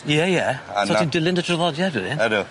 Ie ie... A 'na... ...so ti'n dilyn dy traddodiad wedyn? Ydw.